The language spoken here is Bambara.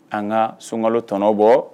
An ka sunka tɔnɔ bɔ